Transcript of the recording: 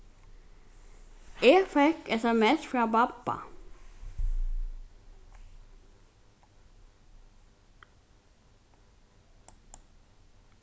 eg fekk sms frá babba